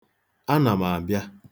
Ana m abịa.